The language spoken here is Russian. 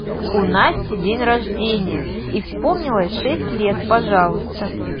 у насти день рождения и вспомнилось шесть лет пожалуйста